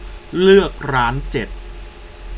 เลือกร้านเจ็ด